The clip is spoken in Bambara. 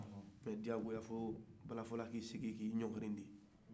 k'a jagoya fo balafɔla k'i sigi k'i ɲɔkiri de